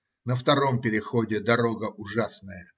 На втором переходе дорога ужасная